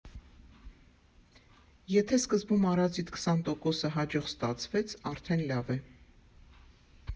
Եթե սկզբում արածիդ քսան տոկոսը հաջող ստացվեց, արդեն լավ է։